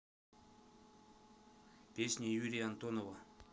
песни юрия антонова